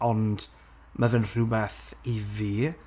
ond, ma' fe'n rhywbeth, i fi.